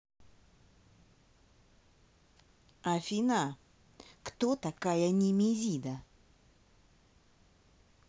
афина кто такая немезида